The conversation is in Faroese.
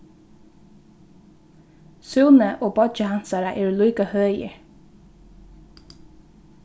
súni og beiggi hansara eru líka høgir